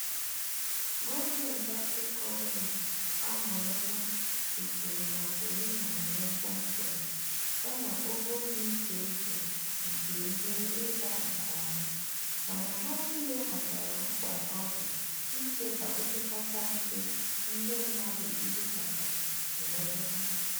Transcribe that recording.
Gọọmenti Afrịka ọbụla ahọrọla usoro maka omenala ya kpọmkwem, ya na ogo dị icheiche nke ihe ịga nke ọma, mana ha niile ghọtara mkpa ọ dị ichebe opekata mpe ndị mmadụ ihe kacha emetụta.